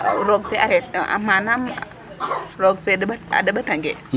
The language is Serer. roog fe arreter manaam roog fe a deɓatangee?